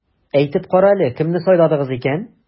Әйтеп кара әле, кемне сайладыгыз икән?